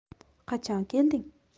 qachon kelding